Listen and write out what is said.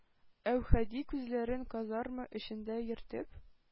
Әүхәди, күзләрен казарма эчендә йөртеп: